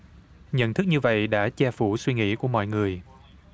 nhận thức như vậy đã che phủ suy nghĩ của mọi người